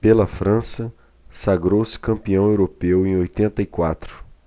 pela frança sagrou-se campeão europeu em oitenta e quatro